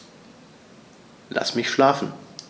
Lass mich schlafen